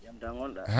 jam tan won?aa